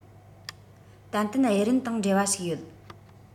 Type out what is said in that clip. ཏན ཏན དབྱི རན དང འབྲེལ བ ཞིག ཡོད